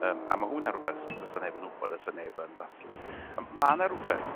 Yym a ma' hwnna rwbeth do's 'a neb yn wbod o's 'a neb yn ddathlu. On' ma' 'na rwbeth